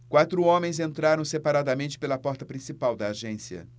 quatro homens entraram separadamente pela porta principal da agência